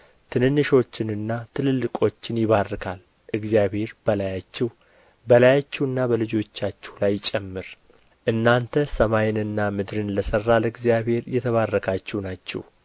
ትንንሾችንና ትልልቆችን ይባርካል እግዚአብሔር በላያችሁ በላያችሁና በልጆቻችሁ ላይ ይጨምር እናንተ ሰማይንና ምድርን ለሠራ ለእግዚአብሔር የተባረካችሁ ናችሁ